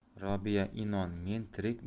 robiya inon men tirik